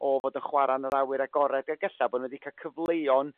O fod y chwara' yn yr awyr agored ag ella bo nhw wedi ca' cyfleuon